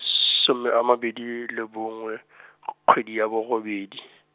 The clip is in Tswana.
some a mabedi le bongwe , kgwedi ya borobedi.